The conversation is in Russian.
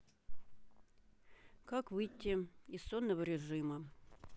как выйти из сонного режима